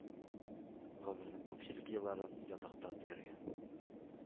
Гомеренең күпчелек елларын ятакта үткәргән